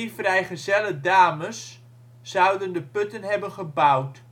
vrijgezelle dames zouden de putten hebben gebouwd